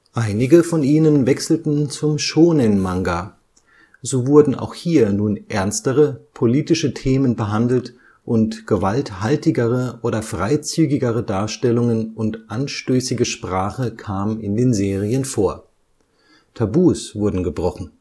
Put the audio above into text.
Einige von ihnen wechselten zum Shōnen-Manga – so wurden auch hier nun ernstere, politische Themen behandelt und gewalthaltigere oder freizügigere Darstellungen und anstößige Sprache kam in den Serien vor; Tabus wurden gebrochen